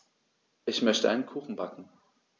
Ich möchte einen Kuchen backen.